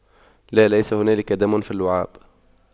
لا ليس هنالك دم في اللعاب